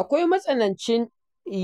Akwai matsanancin